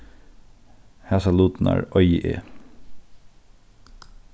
hasar lutirnar eigi eg